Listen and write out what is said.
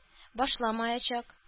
Башламаячак